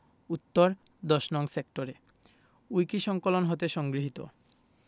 উত্তরঃ ১০নং সেক্টরে উইকিসংকলন হতে সংগৃহীত